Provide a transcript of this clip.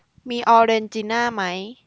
มีออเรนจิน่าไหม